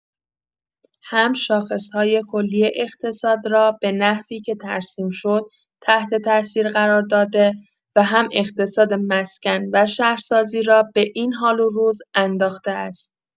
هم شاخص‌های کلی اقتصاد را به نحوی که ترسیم شد تحت‌تاثیر قرار داده، و هم اقتصاد مسکن و شهرسازی را به این حال و روز انداخته است!